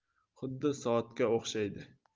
xuddi soatga o'xshaydi